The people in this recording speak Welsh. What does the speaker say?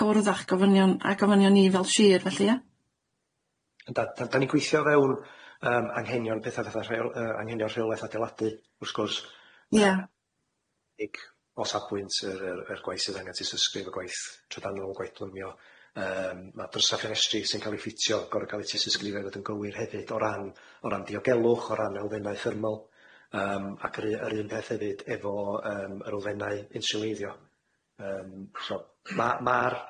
cwrdd â'ch gofynion a gofynion ni fel shir felly ia? Yndan da- 'dan di'n gweithio o fewn ymm anghenion petha fatha yy anghenion eholaeth adeiladu wrth gwrs... Ia... debyg o safbwynt yr y gwaith sydd angan tysysgrif y gwaith trydannol, gwaith plymio yym ma' drysa ffenestri sy'n ca'l 'i ffitio goro ca'l 'i tystysgrifo i fod yn gywir hefyd o ran o ran diogelwch o ran elfennau thermyl yym ac ru- yr un peth hefyd efo yym yr elfennau insiwleiddio ymm so ma' ma'